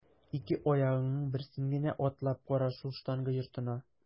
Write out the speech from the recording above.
Ике аягыңның берсен генә атлап кара шул штанга йортына!